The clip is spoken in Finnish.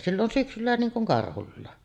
sillä on syksyllä niin kuin karhulla